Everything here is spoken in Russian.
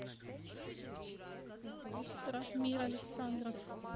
ратмир александров